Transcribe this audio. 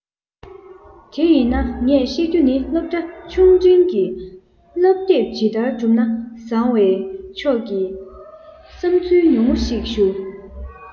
དེ ཡིན ན ངས བཤད རྒྱུ ནི སློབ གྲྭ ཆུང འབྲིང གི བསླབ དེབ ཇི ལྟར བསྒྲུབ ན བཟང བའི ཕྱོགས ཀྱི བསམ ཚུལ ཉུང ངུ ཞིག ཞུ